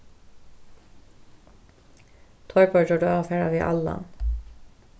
teir báðir gjørdu av at fara við allan